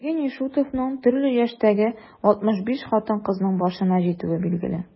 Евгений Шутовның төрле яшьтәге 65 хатын-кызның башына җитүе билгеле.